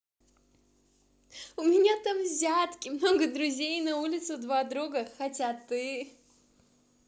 у меня там взятки много друзей и на улицу два друга хотя ты